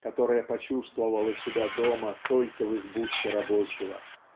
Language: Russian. которая почувствовала себя дома только в избушке рабочего.